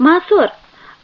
ma soeur